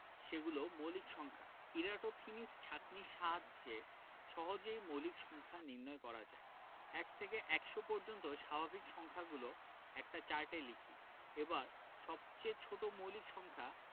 সেগুলো মৌলিক সংখ্যা ইরাটোন্থিনিস ছাঁকনির সাহায্যে সহজেই মৌলিক সংখ্যা নির্ণয় করা যায় ১ থেকে ১০০ পর্যন্ত স্বাভাবিক সংখ্যাগুলো একটি চার্টে লিখি এবার সবচেয়ে ছোট মৌলিক সংখ্যা